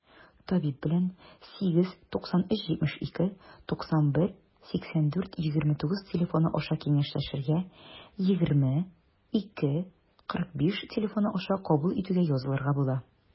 Табиб белән 89372918429 телефоны аша киңәшләшергә, 20-2-45 телефоны аша кабул итүгә язылырга була.